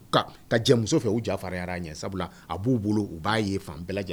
Ka ka jɛ fɛ ufa ɲɛ sabula a b'u bolo u b'a ye fan bɛɛ